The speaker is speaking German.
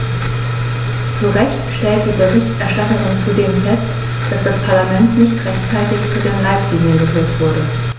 Zu Recht stellt die Berichterstatterin zudem fest, dass das Parlament nicht rechtzeitig zu den Leitlinien gehört wurde.